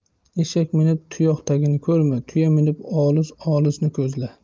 eshak minib tuyoq tagini ko'rma tuya minib olis olisni ko'zla